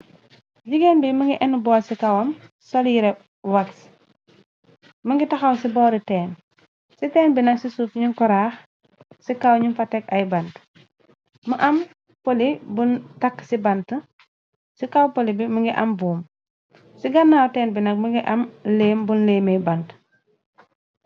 Jigeen bi mu ngi énu bowl si kawam sol yereh waxx mu ngi tahaw si bori téen ci téen bi nak ci souf nyung ko raxx si kaw nyung fa tex ayyy bantue mu am poleh bung takeu ci banteu ci kaw poleh bi mungi am bowl ci ganaw teleh bi nak am lëem bunj lëemeh banteu